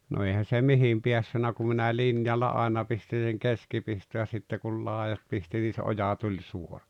no eihän se mihin päässyt kun minä linjalla aina pistin sen keskipiston ja sitten kun laidat pisti niin se oja tuli suora